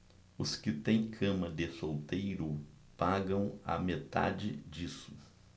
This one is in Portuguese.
os que têm cama de solteiro pagam a metade disso